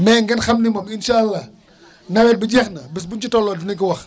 mais ngeen xam ne moom incha allah nawet bi jeex na bés bu ñu ci tolloo dinañ ko wax